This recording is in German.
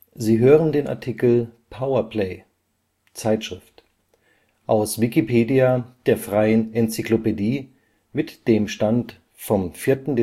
Sie hören den Artikel Power Play (Zeitschrift), aus Wikipedia, der freien Enzyklopädie. Mit dem Stand vom Der